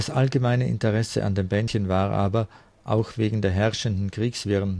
allgemeine Interesse an dem Bändchen war aber, auch wegen der herrschenden Kriegswirren